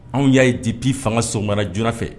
Anw y'a ye dip fanga somana joona fɛ